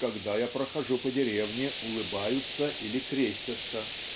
когда я прохожу по деревне улыбаются или крестятся.